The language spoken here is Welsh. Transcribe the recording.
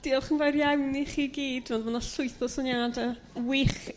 Diolch yn fawr iawn i chi i gyd ro'dd yna llwyth o syniade wych a